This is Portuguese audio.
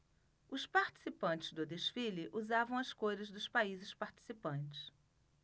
os participantes do desfile usavam as cores dos países participantes